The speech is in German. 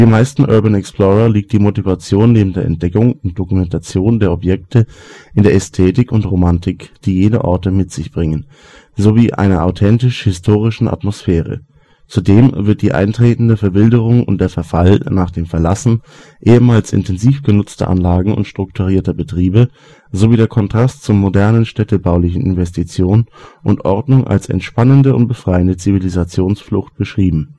meisten Urban Explorer liegt die Motivation neben der Entdeckung und Dokumentation der Objekte, in der Ästhetik und Romantik die jene Orte mit sich bringen, so wie einer authentisch-historischen Atmosphäre. Zudem wird die eintretende Verwilderung und der Verfall nach dem Verlassen ehemals intensiv genutzter Anlagen und strukturierter Betriebe, sowie der Kontrast zu moderner städtebaulicher Investition und Ordnung als entspannende und befreiende Zivilisationsflucht beschrieben